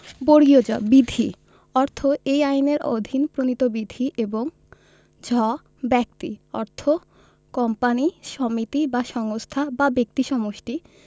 জ বিধি অর্থ এই আইনের অধীন প্রণীত বিধি এবং ঝ ব্যক্তি অর্থ কোম্পানী সমিতি বা সংস্থা বা ব্যক্তি সমষ্টি